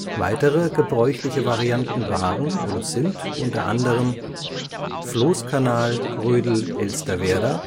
Weitere gebräuchliche Varianten waren und sind unter anderem Floßkanal Grödel-Elsterwerda